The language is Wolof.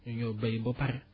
ñu ñëw bay ba pare